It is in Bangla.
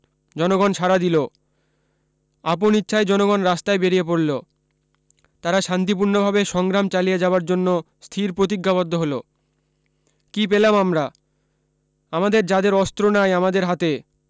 জনগন সাড়া দিলো আপন ইচ্ছায় জনগন রাস্তায় বেরিয়ে পড়ল তারা শান্তিপূর্ণভাবে সংগ্রাম চালিয়ে যাবার জন্য স্থির প্রতিজ্ঞাবদ্ধ হলো কি পেলাম আমরা আমাদের যাদের অস্ত্র নাই আমাদের হাতে